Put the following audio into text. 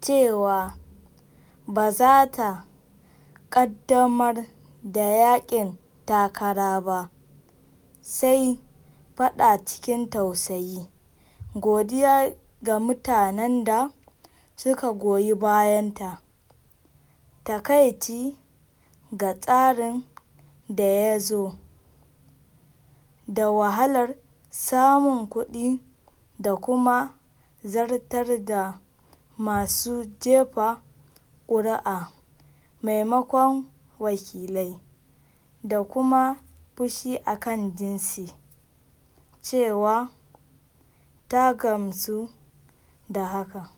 cewa ba za ta ƙaddamar da yakin takara ba, sai ta fada cikin tausayi - godiya ga mutanen da suka goyi bayanta, takaici ga tsarin da ya zo da wahalar samun kudi da kuma zartar da masu jefa kuri'a maimakon wakilai, da kuma fushi a kan jinsi - cewa ta gamsu da hakan.